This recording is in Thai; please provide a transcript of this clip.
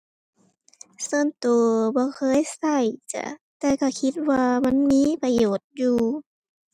ส่วนตัวบ่เคยตัวจ้ะ แต่ตัวคิดว่ามันมีประโยชน์อยู่